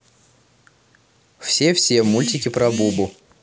все все мультики про бубу